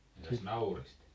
entäs naurista